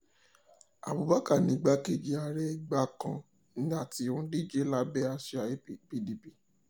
Abubakar ni igbá-kejì ààrẹ ìgbà kan àti òǹdíje lábẹ́ àsíá PDP.